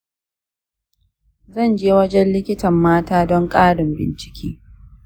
zan je wajen likitan mata don ƙarin bincike.